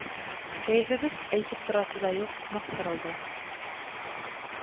Кәефебез, әйтеп торасы да юк, нык кырылды